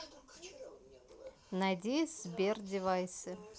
найди сбер девайсы